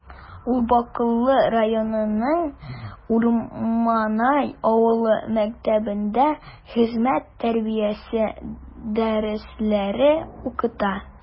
Ул Бакалы районының Урманай авылы мәктәбендә хезмәт тәрбиясе дәресләре укыта.